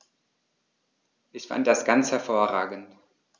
Ich fand das ganz hervorragend.